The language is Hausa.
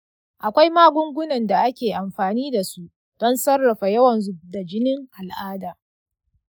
akwai magunguna da ake amfani da su don sarrafa yawan zub da jinin al'ada.